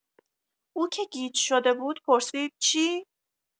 او که گیج شده بود پرسید: چی؟